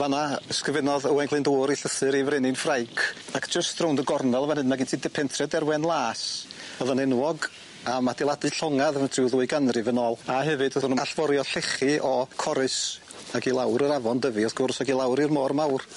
Fan 'na ysgrifennodd Owain Glyndŵr ei llythyr ei frenin Ffrainc ac jyst rownd y gornel fan 'yn ma' gen ti dy pentre Derwen Las o'dd yn enwog am adeiladu llonga ddwy ganrif yn ôl a hefyd o'ddwn nw'n allforio llechi o Corris ag i lawr yr afon Dyfi wrth gwrs ag i lawr i'r môr mawr.